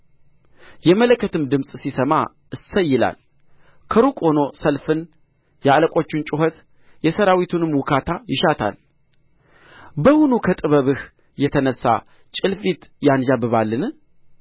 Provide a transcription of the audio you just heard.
የመለከትም ድምፅ ሲሰማ እሰይ ይላል ከሩቅ ሆኖ ሰልፍንና የአለቆቹን ጩኸት የሠራዊቱንም ውካታ ያሸታል በውኑ ከጥበብህ የተነሣ ጭልፊት ያንዣብባልን